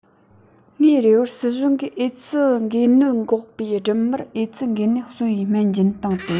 ངའི རེ བར སྲིད གཞུང གིས ཨེ ཙི འགོས ནད འགོས པའི སྦྲུམ མར ཨེ ཙི འགོས ནད གསོ བའི སྨན སྦྱིན བཏང སྟེ